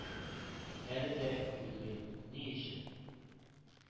Әле дә уйлыйм: ни өчен